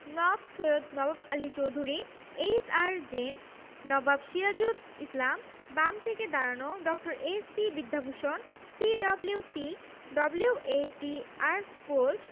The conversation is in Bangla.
নওয়াব সৈয়দ নবাব আলী চৌধুরী এইচ.আর. জেমস নওয়াব সিরাজুল ইসলাম বাম থেকে দাঁড়ানো Dr. S C. Vidyabhushan C W. Peake W A T. Archbold